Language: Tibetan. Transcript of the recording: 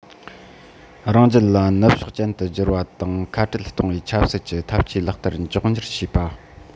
རང རྒྱལ ལ ནུབ ཕྱོགས ཅན དུ འགྱུར བ དང ཁ བྲལ གཏོང བའི ཆབ སྲིད ཀྱི འཐབ ཇུས ལག བསྟར མགྱོགས མྱུར བྱས པ